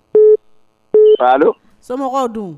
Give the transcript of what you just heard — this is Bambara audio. Somɔgɔw dun